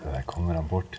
der kommer han bort.